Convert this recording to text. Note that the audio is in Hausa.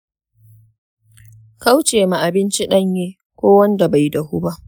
kaucema abinci ɗanye ko wanda bai dahu ba